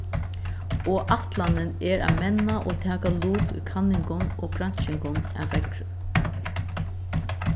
og ætlanin er at menna og taka lut í kanningum og granskingum av veðri